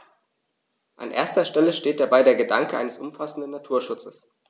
An erster Stelle steht dabei der Gedanke eines umfassenden Naturschutzes.